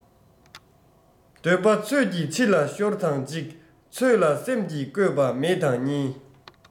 འདོད པ ཚོད ཀྱི ཕྱི ལ ཤོར དང གཅིག ཚོད ལ སེམས ཀྱི བཀོད པ མེད དང གཉིས